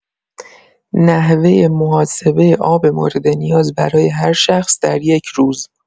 نحوه محاسبه آب مورد نیاز برای هر شخص در یک روز!